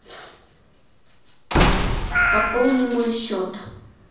пополни мой счет